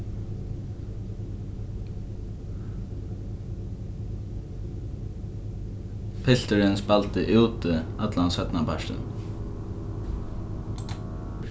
pilturin spældi úti allan seinnapartin